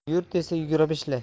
yurt desa yugurib ishla